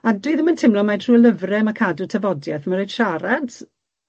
A dwi ddim yn timlo mai trwy lyfre ma' cadw tafodieth, ma' raid siarad